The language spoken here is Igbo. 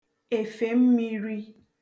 efè mmīri